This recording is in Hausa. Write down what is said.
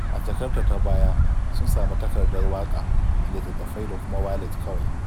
A jakarta ta baya, sun samu takardar waƙa da littattafai da kuma walet kawai.